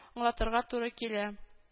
Аңлатырга туры килә